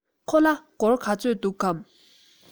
ཁོ ལ སྒོར ག ཚོད འདུག གམ